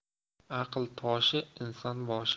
aql toshi inson boshi